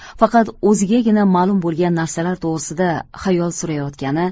faqat o'zigagina ma'lum bo'lgan narsalar to'g'risida xayol surayotgani